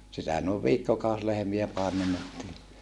sitä noin viikkokausi lehmiä paimennettiin